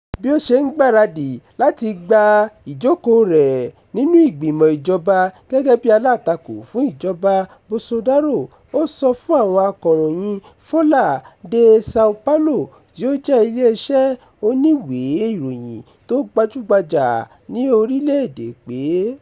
Bí ó ṣe ń gbaradì láti gba ìjókòó rẹ̀ nínú ìgbìmọ̀ ìjọba gẹ́gẹ́ bí alátakò fún ìjọba Bolsonaro, ó sọ fún àwọn akọ̀ròyìn Folha de São Paulo, tí ó jẹ́ ilé iṣẹ́ oníwèé ìròyìn tó gbajúgbajà ní orílẹ̀-èdè pé: